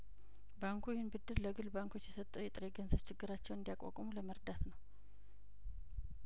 ባንኩ ይህን ብድር ለግል ባንኮቹ የሰጠው የጥሬ ገንዘብ ችግራቸውን እንዲ ቋቋሙ ለመርዳት ነው